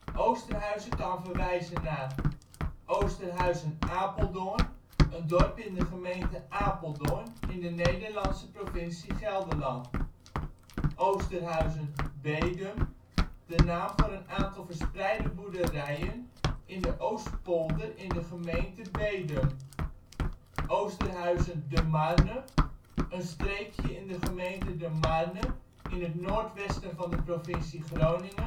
Oosterhuizen kan verwijzen naar: Oosterhuizen (Apeldoorn), een dorp in de gemeente Apeldoorn, in de Nederlandse provincie Gelderland Oosterhuizen (Bedum), de naam voor een aantal verspreide boerderijen in de Oostpolder in de gemente Bedum Oosterhuizen (De Marne), een streek in de gemeente De Marne in het noordwesten van de provincie Groningen